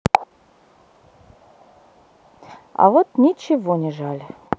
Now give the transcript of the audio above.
я вот ничего не жаль